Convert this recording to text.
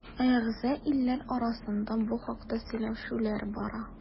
Әгъза илләр арасында бу хакта сөйләшүләр бара.